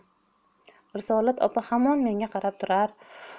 risolat opa hamon menga qarab turar